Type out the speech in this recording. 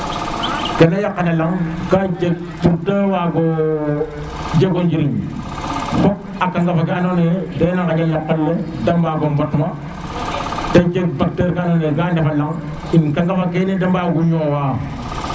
kena yakana lang ka jeg pour to wago jego njiriña fook a kama ke andona ye dena ŋaƴel no qolum da mbago ɓot ma ta jeg bacteur ka ando na ye ka ndefa laŋ i kanga ke ne de mbago ñoowa